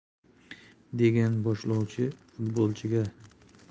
degan boshlovchi futbolchiga